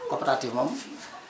coopérative moom